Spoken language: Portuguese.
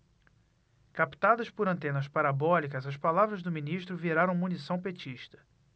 captadas por antenas parabólicas as palavras do ministro viraram munição petista